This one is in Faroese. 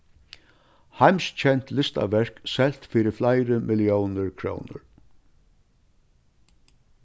heimskent listaverk selt fyri fleiri milliónir krónur